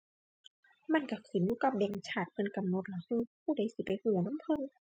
มันก็ขึ้นอยู่กับแบงก์ชาติเพิ่นกำหนดล่ะฮึ ผู้ใดสิไปก็นำเพิ่น